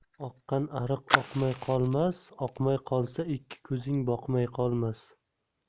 oqqan ariq oqmay qolmas oqmay qolsa ikki ko'zing boqmay qolmas